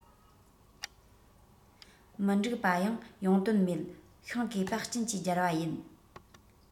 མི འགྲིག པ ཡང ཡོང དོན མེད ཤིང གས པ སྤྱིན གྱིས སྦྱར བ ཡིན